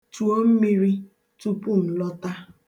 Chuo mmiri tupu m lọta.